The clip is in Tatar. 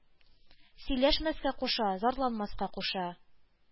Сөйләшмәскә куша, зарланмаска куша,